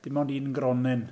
Dim ond un gronyn.